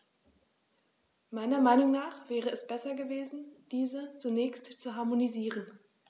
Meiner Meinung nach wäre es besser gewesen, diese zunächst zu harmonisieren.